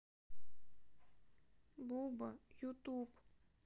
буба ютуб